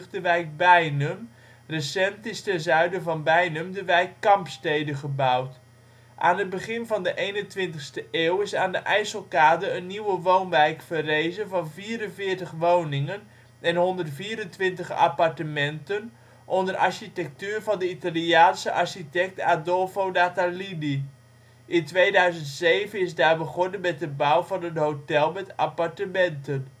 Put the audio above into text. de wijk Beinum, recent is ten zuiden van Beinum de wijk Campstede gebouwd. Aan het begin van de 21e eeuw is aan de IJsselkade een nieuwe woonwijk verrezen van 44 woningen en 124 appartementen onder architectuur van de Italiaanse architect Adolfo Natalini. In 2007 is daar begonnen met de bouw van een hotel met appartementen